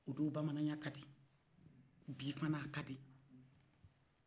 o don bamanaya ka di bi fɔnɔ a kadi